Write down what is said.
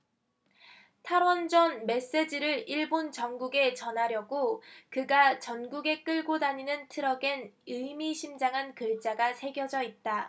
탈원전 메시지를 일본 전국에 전하려고 그가 전국에 끌고 다니는 트럭엔 의미심장한 글자가 새겨져 있다